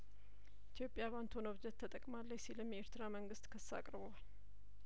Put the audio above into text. ኢትዮጵያ በአንቶኖቭ ጀት ተጠቅማለች ሲልም የኤርትራ መንግስት ክስ አቅርቧል